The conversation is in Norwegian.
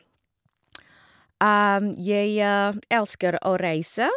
Jeg elsker å reise.